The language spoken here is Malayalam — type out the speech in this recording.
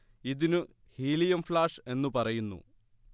ഇതിനു ഹീലിയം ഫ്ലാഷ് എന്നു പറയുന്നു